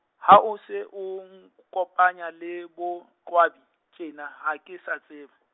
ha o se o, nkopanya le, boQwabi tjena, ha ke sa tseba.